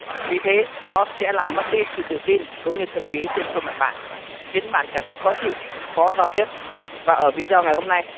vì thế nó sẽ làm mất đi sự tự tin cũng như thẩm mỹ trên khuân mặt bạn khiến bạn cảm thấy khó chịu khó giao tiếp và ở video ngày hôm nay